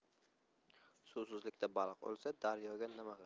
suvsizlikdan baliq o'lsa daryoga nima g'am